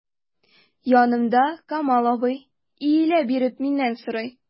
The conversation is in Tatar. Янымда— Камал абый, иелә биреп миннән сорый.